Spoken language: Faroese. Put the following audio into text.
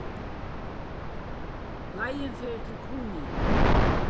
leiðin fer til kunoyar